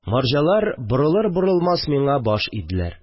Марҗалар борылыр-борылмас миңа баш иделәр